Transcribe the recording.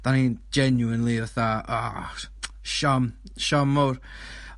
Dan ni'n genuinely fatha o si- siom, siom mowr.